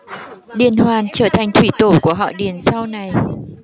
điền hoàn trở thành thủy tổ của họ điền sau này